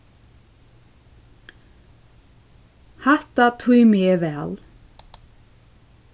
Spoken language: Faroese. hatta tími eg væl